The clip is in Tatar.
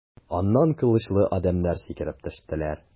Аннан кылычлы адәмнәр сикереп төштеләр.